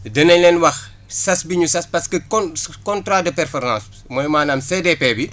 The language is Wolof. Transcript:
dinañ leen wax sas bi ñu sas parce que con contrat de performance mooy maanaam SDP bi